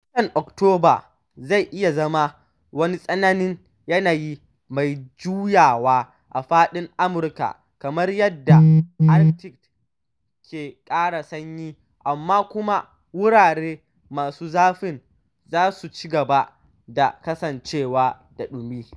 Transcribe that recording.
Watan Oktoba zai iya ganin wani tsananin yanayi mai juyawa a faɗin Amurka kamar yadda Arctic ke ƙara sanyi, amma kuma wurare masu zafin za su ci gaba da kasancewa da ɗumi.